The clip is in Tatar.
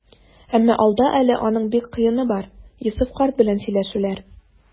Әмма алда әле аның бик кыены бар - Йосыф карт белән сөйләшүләр.